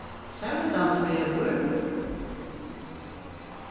sevdalsvegur